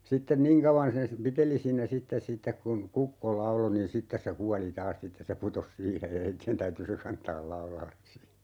sitten niin kauan sen - piteli siinä sitten sitten kun kukko lauloi niin sitten se kuoli taas sitten se putosi siihen ja heidän täytyi se kantaa laudalle sitten